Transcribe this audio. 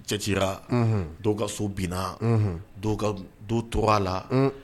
Cɛtira dɔw ka so binna dɔw don to a la